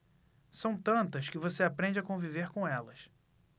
são tantas que você aprende a conviver com elas